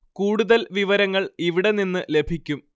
കൂടുതല്‍ വിവരങ്ങള്‍ ഇവിടെ നിന്ന് ലഭിക്കും